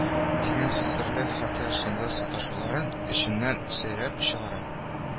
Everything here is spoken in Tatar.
Дигән хәстәрлек хәтта шомлы саташулар эченнән сөйрәп чыгара